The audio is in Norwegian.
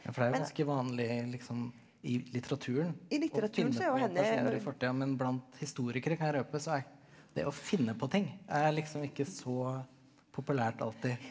ja for det er jo ganske vanlig liksom i litteraturen å finne på personer i fortida men blant historikere kan jeg røpe så er det å finne på ting er liksom ikke så populært alltid.